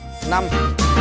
năm